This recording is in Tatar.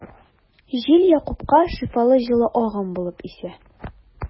Җил Якупка шифалы җылы агым булып исә.